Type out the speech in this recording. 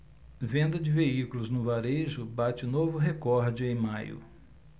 venda de veículos no varejo bate novo recorde em maio